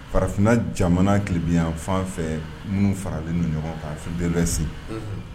Farafinna jamana tilebiyayan fan fɛ minnu faralen ninnu ɲɔgɔn kafidensin